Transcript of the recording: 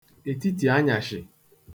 ètitiànyàshị̀